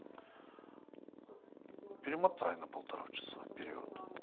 перемотай на полтора часа вперед